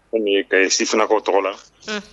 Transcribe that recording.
Ka ye si fanakaw tɔgɔ la